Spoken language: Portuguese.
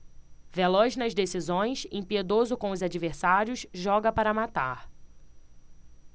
veloz nas decisões impiedoso com os adversários joga para matar